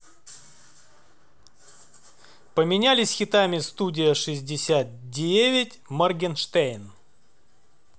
поменялись хитами студия шестьдесят девять моргенштерн